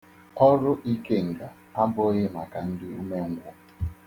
Ọrụ ikenga abụghị maka ndị umengwu.